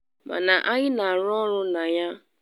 Mana anyị na-arụ ọrụ na ya.